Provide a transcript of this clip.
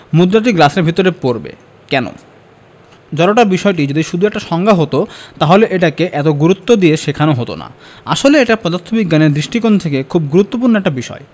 মুদ্রাটি গ্লাসের ভেতর পড়বে কেন জড়তার বিষয়টি যদি শুধু একটা সংজ্ঞা হতো তাহলে এটাকে এত গুরুত্ব দিয়ে শেখানো হতো না আসলে এটা পদার্থবিজ্ঞানের দৃষ্টিকোণ থেকে খুব গুরুত্বপূর্ণ একটা বিষয়